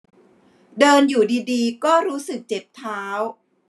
เดินอยู่ดีดีก็รู้สึกเจ็บเท้า